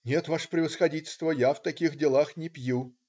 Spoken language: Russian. - "Нет, ваше превосходительство, я в таких делах не пью".